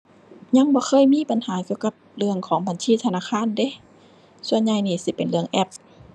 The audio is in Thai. ยังบ่เคยมีปัญหาเกี่ยวกับเรื่องของบัญชีธนาคารเดะ ส่วนใหญ่นี่สิเป็นเรื่องแอป